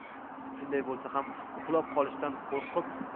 shunday bo'lsa ham uxlab qolishdan qo'rqib